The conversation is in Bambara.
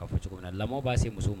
fɔ cogo min na lamɔn b'a se muso ma.